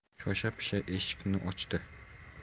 shosha pisha eshikni ochdi